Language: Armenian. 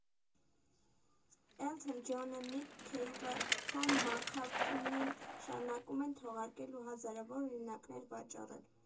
Էլթոն Ջոնը, Նիք Քեյվը, Փոլ Մաքքարթնին շարունակում են թողարկել ու հազարավոր օրինակներ վաճառել։